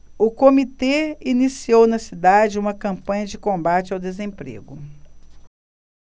o comitê iniciou na cidade uma campanha de combate ao desemprego